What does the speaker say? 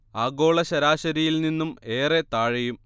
ആഗോള ശരാശരിയിൽ നിന്നും ഏറെ താഴെയും